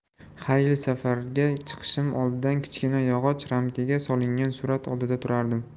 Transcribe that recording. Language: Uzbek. har yil safarga chiqishim oldidan kichkina yog'och ramkaga solingan surat oldida turardim